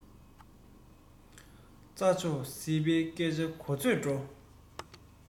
རྩ མཆོག ཟིལ པས སྐད ཆ གོ ཚོད འགྲོ